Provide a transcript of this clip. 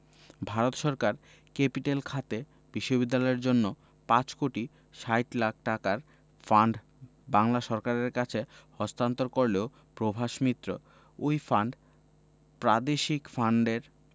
ভারত সরকার ক্যাপিটেল খাতে বিশ্ববিদ্যালয়ের জন্য ৫ কোটি ৬০ লাখ টাকার ফান্ড বাংলা সরকারের কাছে হস্তান্তর করলেও প্রভাস মিত্র ওই ফান্ড প্রাদেশিক ফান্ডের